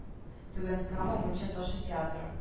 Түбән кама мунча ташы театры